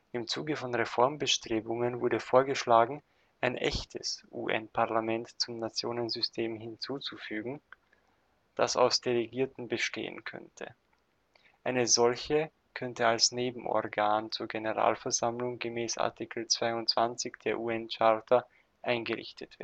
Im Zuge von Reformbestrebungen wurde vorgeschlagen, ein echtes UN-Parlament zum Nationensystem hinzuzufügen, das aus Delegierten bestehen könnte. Eine solche könnte als Nebenorgan zu Generalversammlung gemäß Art. 22 UN-Charta eingerichtet